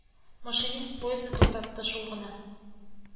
Тарихи тамырлардан аерылмасын кеше.